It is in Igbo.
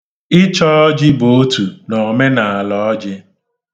Iche ọjị bụ otu na omenaala ọjị.